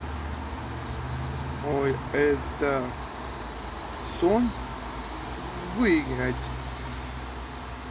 ой это сон выиграть